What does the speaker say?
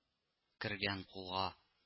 Кергән кулга